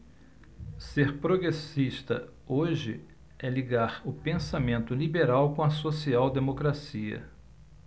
ser progressista hoje é ligar o pensamento liberal com a social democracia